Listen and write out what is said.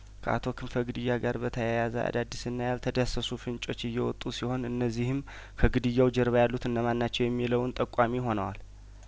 ከአቶ ክንፈ ግድያ ጋር በተያያዘ አዳዲስና ያልተዳሰሱ ፍንጮች እየወጡ ሲሆን እነዚህምኸ ግድያው ጀርባ ያሉት እነማን ናቸው የሚለውን ጠቋሚ ሆነዋል